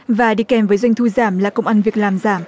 và đi kèm với doanh thu giảm là công ăn việc làm giảm